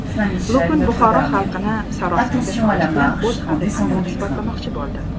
lukn buxoro xalqini sarosimaga solish bilan o'z haqiqatini isbotlamoqchi bo'ldi